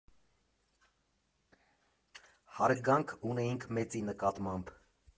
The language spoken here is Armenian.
Հարգանք ունեինք մեծի նկատմամբ։